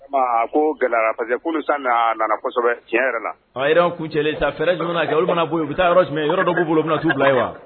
A ko gɛlɛra nanasɔ tiɲɛ yɛrɛ la a ku cɛ fɛrɛɛrɛ jumɛn lajɛ i bɛ taa yɔrɔ jumɛn yɔrɔ dɔw b' bolo bɛna' bila ye wa